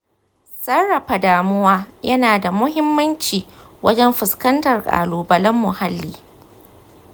sarrafa damuwa yana da muhimmanci wajen fuskantar ƙalubalen muhalli